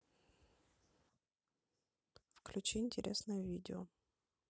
включи интересное видео